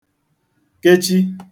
kechi